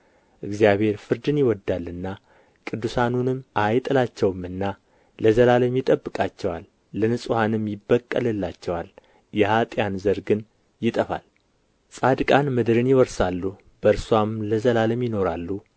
እግዚአብሔር ፍርዱን ይወድዳልና ቅዱሳኑንም አይጥላቸውምና ለዘላለምም ይጠብቃቸዋል ለንጹሓንም ይበቀልላቸዋል የኅጥኣን ዘር ግን ይጠፋል ጻድቃን ምድርን ይወርሳሉ በእርስዋም ለዘላለም ይኖራሉ